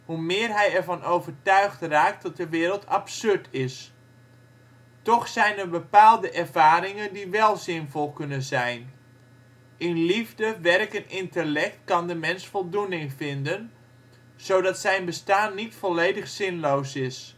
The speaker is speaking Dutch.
meer hij er van overtuigd raakt dat de wereld absurd is. Toch zijn er bepaalde ervaringen die wel zinvol kunnen zijn. In liefde, werk en intellect kan de mens voldoening vinden, zodat zijn bestaan niet volledig zinloos is